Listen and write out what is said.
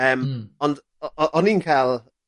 yym. Hmm. Ond o- o'n i'n ca'l